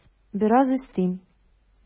Бераз өстим.